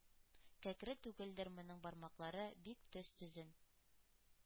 Кәкре түгелдер моның бармаклары — бик төз төзен,